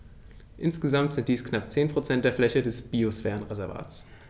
Insgesamt sind dies knapp 10 % der Fläche des Biosphärenreservates.